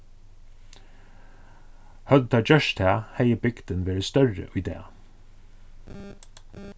høvdu teir gjørt tað hevði bygdin verið størri í dag